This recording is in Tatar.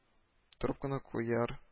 Трубканы куяр